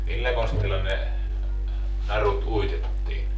millä konstilla ne narut uitettiin